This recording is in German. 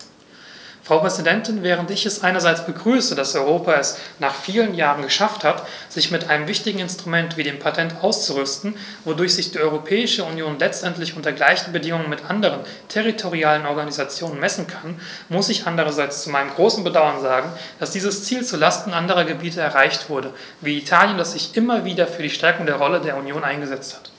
Frau Präsidentin, während ich es einerseits begrüße, dass Europa es - nach vielen Jahren - geschafft hat, sich mit einem wichtigen Instrument wie dem Patent auszurüsten, wodurch sich die Europäische Union letztendlich unter gleichen Bedingungen mit anderen territorialen Organisationen messen kann, muss ich andererseits zu meinem großen Bedauern sagen, dass dieses Ziel zu Lasten anderer Gebiete erreicht wurde, wie Italien, das sich immer wieder für die Stärkung der Rolle der Union eingesetzt hat.